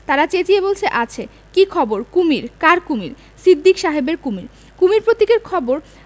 তাঁরা চেঁচিয়ে বলছে আছে কি খবর কুমীর কার কুমীর সিদ্দিক সাহেবের কুমীর কুমীর প্রতীকের খবর